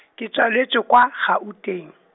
ke tsaletswe kwa, Gauteng.